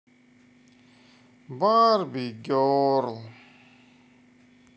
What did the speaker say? барби герл